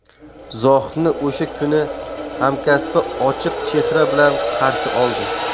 zohidni o'sha kungi hamkasbi ochiq chehra bilan qarshi oldi